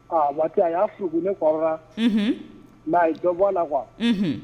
Ɔ a waati a y'a funuku ne kɔrɔla, unhun, mais a ye dɔ bɔ a la _quoi , unhun